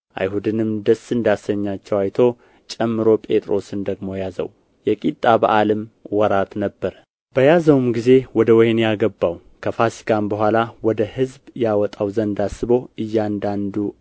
አይሁድንም ደስ እንዳሰኛቸው አይቶ ጨምሮ ጴጥሮስን ደግሞ ያዘው የቂጣ በዓልም ወራት ነበረ በያዘውም ጊዜ ወደ ወኅኒ አገባው ከፋሲካም በኋላ ወደ ሕዝብ ያወጣው ዘንድ አስቦ እያንዳንዱ